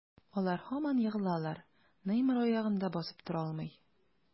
Алар һаман егылалар, Неймар аягында басып тора алмый.